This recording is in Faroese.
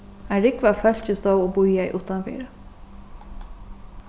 ein rúgva av fólki stóð og bíðaði uttanfyri